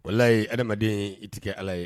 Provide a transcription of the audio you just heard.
Walayi ye adamadamaden i tɛ kɛ ala ye